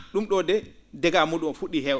?um ?o de dégat mu?um o fu??iima heewde